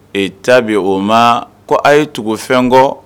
Itabi ouma ko a ye tugu fɛn kɔ